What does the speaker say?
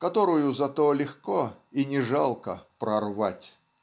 которую зато легко и не жалко прорвать.